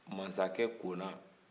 masakɛ kona